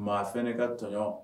Maafɛn ne ka tɔɔn